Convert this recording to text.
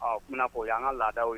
Ɔ n bɛnaa fɔ o y' an ka laadaw ye